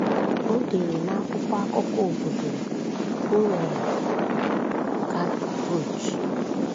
O dere n'akwụkwọ akụkọ obodo Bhorer Kagoj: